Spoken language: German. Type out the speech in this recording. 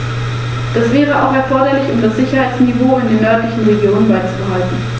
Die verstärkte Zusammenarbeit ist meiner Meinung nach eine absolute Sackgasse.